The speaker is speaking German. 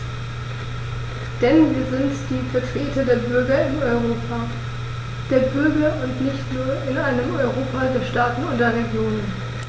Denn wir sind die Vertreter der Bürger im Europa der Bürger und nicht nur in einem Europa der Staaten und der Regionen.